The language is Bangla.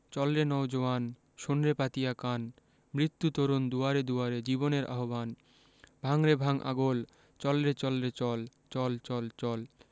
চল রে নও জোয়ান শোন রে পাতিয়া কান মৃত্যু তরণ দুয়ারে দুয়ারে জীবনের আহবান ভাঙ রে ভাঙ আগল চল রে চল রে চল চল চল চল